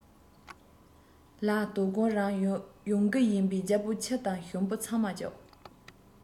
གཡོག པོ རྙིང པ དེ ཕྱིར དོན སྒྲུབ པར བཏང